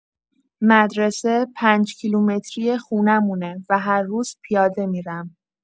مدرسه پنج‌کیلومتری خونمونه و هر روز پیاده می‌رم.